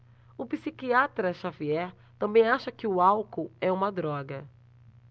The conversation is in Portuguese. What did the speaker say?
o psiquiatra dartiu xavier também acha que o álcool é uma droga